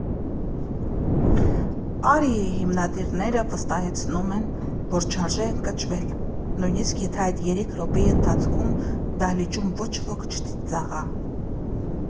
«Արիի» հիմնադիրները վստահեցնում են, որ չարժե ընկճվել, նույնիսկ եթե այդ երեք րոպեի ընթացքում դահլիճում ոչ ոք չծիծաղա.